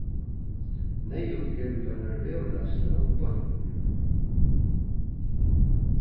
neyðugt er við einari veðurlagslóg beint nú